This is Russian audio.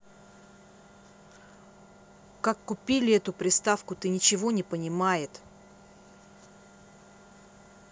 как купили эту приставку ты ничего не понимает